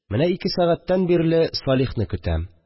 Менә ике сәгатьтән бирле салихны көтәм